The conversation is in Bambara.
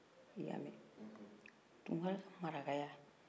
tunkara ka marakaya a sɔrɔ la sigi fɛ